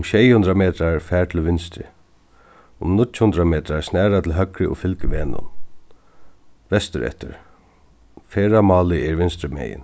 um sjey hundrað metrar far til vinstru um níggju hundrað metrar snara til høgru og fylg vegnum vestureftir ferðamálið er vinstrumegin